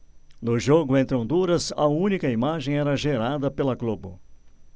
no jogo contra honduras a única imagem era gerada pela globo